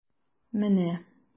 Менә...